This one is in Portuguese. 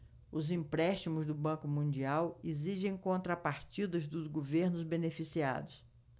os empréstimos do banco mundial exigem contrapartidas dos governos beneficiados